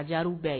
A diyar'u bɛɛ ye